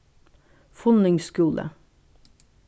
funnings skúli